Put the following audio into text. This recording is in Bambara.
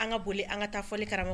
An ka boli an ka taa fɔ karamɔgɔ